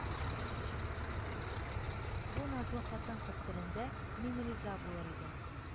Бу назлы хатын-кыз телендә «Мин риза булыр идем»